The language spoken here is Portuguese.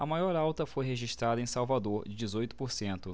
a maior alta foi registrada em salvador de dezoito por cento